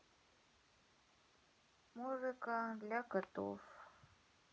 музыка для котов